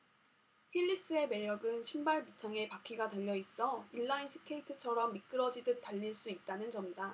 힐리스의 매력은 신발 밑창에 바퀴가 달려 있어 인라인스케이트처럼 미끄러지듯 달릴 수 있다는 점이다